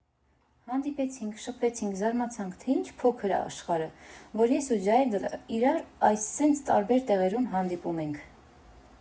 Հանդիպեցինք, շփվեցինք, զարմացանք, թե ինչ փոքր ա աշխարհը, որ ես ու Զայդլը իրար այ սենց տարբեր տեղերում հանդիպում ենք։